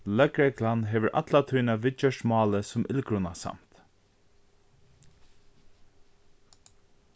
løgreglan hevur alla tíðina viðgjørt málið sum illgrunasamt